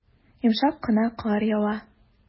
Йомшак кына кар ява.